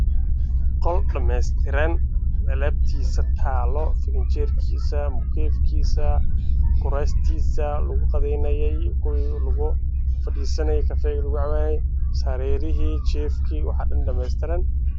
Meeshan waxaa yaalo alaab dhameystiran waxaana ka mid ah fadhigii sariirihii kuraastii waxa dhan oo dhameystiran